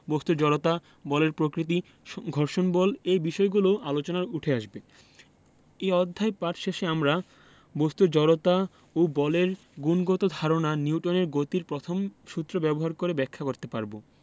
উপর কাজ করে সেটি নিয়ে আলোচনা করার সময় খুব স্বাভাবিকভাবেই বিভিন্ন ধরনের বল বস্তুর জড়তা বলের প্রকৃতি ঘর্ষণ বল এই বিষয়গুলোও আলোচনায় উঠে আসবে বস্তুর জড়তা ও বলের গুণগত ধারণা নিউটনের গতির প্রথম সূত্র ব্যবহার করে ব্যাখ্যা করতে পারব